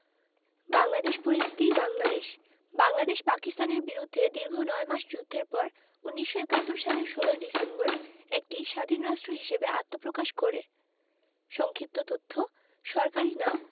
বাংলাদেশ পরিচিতি বাংলাদেশ বাংলাদেশ পাকিস্তানের বিরুদ্ধে দীর্ঘ নয় মাস যুদ্ধের পর ১৯৭১ সালের ১৬ ডিসেম্বর একটি স্বাধীন রাষ্ট্র হিসেবে আত্মপ্রকাশ করে সংক্ষিপ্ত তথ্য সরকারি নামঃ